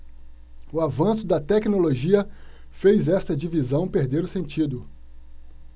o avanço da tecnologia fez esta divisão perder o sentido